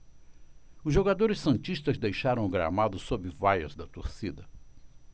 os jogadores santistas deixaram o gramado sob vaias da torcida